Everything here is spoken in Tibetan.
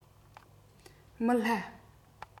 མི སླ